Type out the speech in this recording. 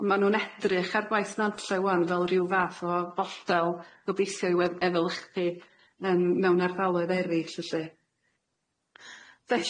Ma' nhw'n edrych ar gwaith Nantlle ŵan fel ryw fath o fodel gobeithio i wef- efelychu yym mewn ardaloedd erill felly.